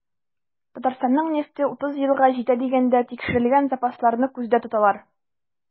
Татарстанның нефте 30 елга җитә дигәндә, тикшерелгән запасларны күздә тоталар.